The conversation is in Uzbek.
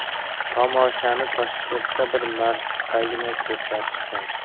tomoshani toshkentda bir martagina ko'rsatishgan